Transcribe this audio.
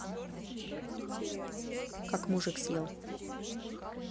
как мужик съел